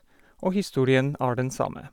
Og historien er den samme.